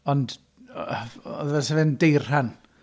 Ond, off- oedd o fel 'sa fe'n deiran.